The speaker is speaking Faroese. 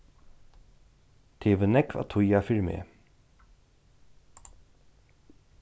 tað hevur nógv at týða fyri meg